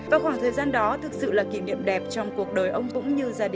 vào khoảng thời gian đó thực sự là kỷ niệm đẹp trong cuộc đời ông cũng như gia đình